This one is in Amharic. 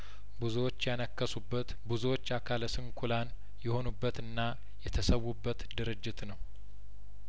ብዙዎች ያነከሱበት ብዙዎች አካለስንኩላን የሆኑበትና የተሰዉበት ድርጅት ነው